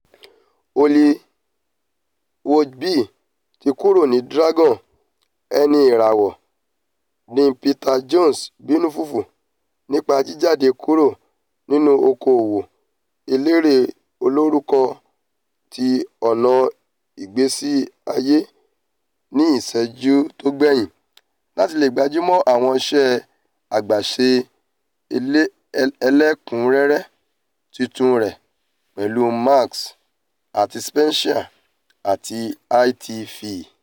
Holly Willoughby ti kúrò ni Dragons'' eni ìràwọ̀ Den Peter Jones ńbínú fùfù nípa jíjáde kúrò nínú oko-òwò elérè olórúkọ ti ọ̀nà ìgbésí-ayé ní ìṣẹ́jú tó gbẹ̀yìn - láti leè gbájúmọ́ àwọn iṣẹ́ àgbàṣe ẹlẹ́ẹ̀kúnrẹ́rẹ́ tuntun rẹ̀ pẹ̀lú Marks and Spencer àti ITV.